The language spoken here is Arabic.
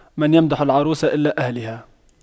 من يمدح العروس إلا أهلها